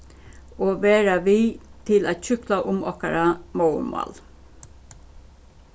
og vera við til at hjúkla um okkara móðurmál